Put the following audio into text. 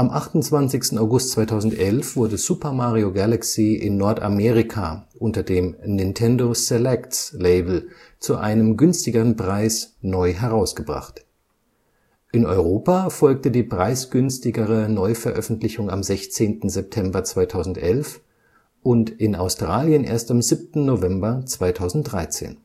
28. August 2011 wurde Super Mario Galaxy in Nordamerika unter dem „ Nintendo-Selects “- Label zu einem günstigeren Preis neu herausgebracht. In Europa folgte die preisgünstigere Neuveröffentlichung am 16. September 2011 und in Australien erst am 7. November 2013